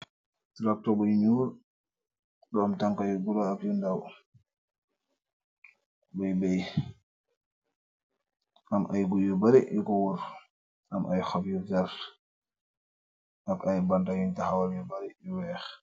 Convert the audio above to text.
ci roktoba yuñuur lu am tanka yu gura ab yu ndaw buy bey am ay guy yu bare yu ko wur am ay xab yu zarr ak ay bantayun te xawal yu bare yu weex